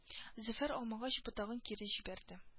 Зөфәр алмагач ботагын кире җибәрде